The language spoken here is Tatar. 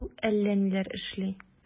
Ул әллә ниләр эшли...